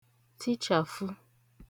tichàfụ